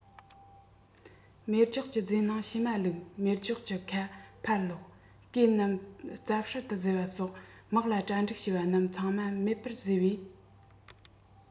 མེ སྒྱོགས ཀྱི རྫས ནང བྱེ མ བླུགས མེ སྒྱོགས ཀྱི ཁ ཕར སློག གོས རྣམས རྩབ ཧྲལ དུ བཟོས པ སོགས དམག ལ གྲ སྒྲིག བྱས པ རྣམས ཚང མ མེར པར བཟོས པས